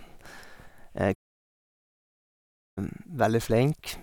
veldig flink.